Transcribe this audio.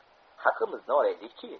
lekin haqimizni olaylik chi